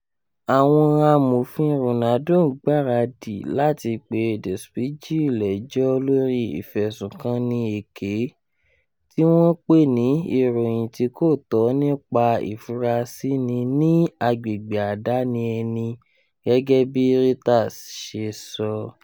Àwọn àmòfin Ronaldo ń gbaradì láti pe Der Spiegel lẹ́jọ́ lórí ìfẹ̀sùnkanni èké, tí wọ́n pè ní “Ìròyìn tí kò tọ́ nípa ìfurasíni ní agbègbè àdani ẹni”. Gẹ́gẹ́bí Reuters ṣe sọ.